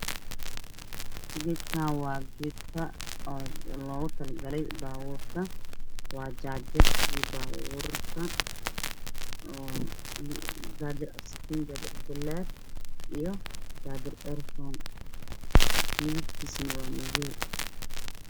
Geedkaan waa geedka oo loogu talagalay baabuurta oo jaajar baaburka oo jaajar af sakiin jaajar af balaar iyo jaajar ayfoon midabkiisa waa madow.